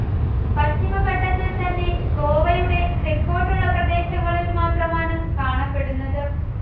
പശ്ചിമഘട്ടത്തിൽ തന്നെ ഗോവയുടെ തെക്കോട്ടുള്ള പ്രദേശങ്ങളിൽ മാത്രമാണ് കാണപ്പെടുന്നത്